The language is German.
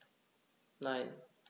Nein.